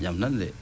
jam tan dee